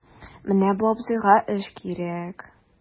Менә бу абзыйга эш кирәк...